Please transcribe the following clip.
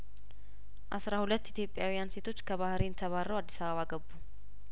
አስራ ሁለት ኢትዮጵያውያን ሴቶች ከባህሬን ተባረው አዲስ አበባ ገቡ